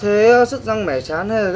thế sứt răng mẻ chán hay là